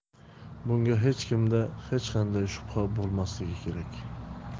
bunga hech kimda hech qanday shubha bo'lmasligi kerak